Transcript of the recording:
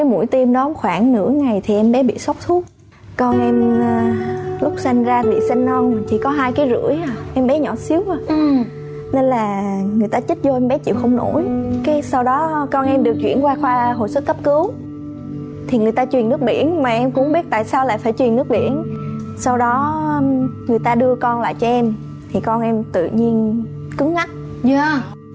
mũi tiêm đón khoảng nửa ngày thì em bé bị sốc thuốc con em a lúc sinh ra bị sinh non chỉ có hai kí rưỡi em bé nhỏ xíu nên là người ta chích vô em bé chịu không nổi cây sau đó con em điều chuyển qua khoa hồi sức cấp cứu thì người ta truyền nước biển mà em cũng biết tại sao lại phải truyền nước biển sau đó người ta đưa con lại cho em thì con em tự nhiên cứng nhắc nhớ